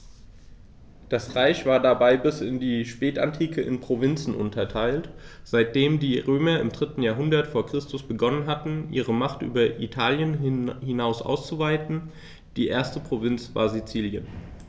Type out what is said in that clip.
Das Reich war dabei bis in die Spätantike in Provinzen unterteilt, seitdem die Römer im 3. Jahrhundert vor Christus begonnen hatten, ihre Macht über Italien hinaus auszuweiten (die erste Provinz war Sizilien).